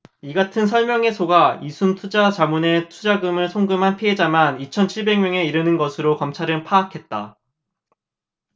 이 같은 설명에 속아 이숨투자자문에 투자금을 송금한 피해자만 이천 칠백 명이 이르는 것으로 검찰은 파악했다